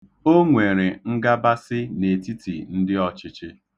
O nwere ngabasị n'etiti ndịochịchị.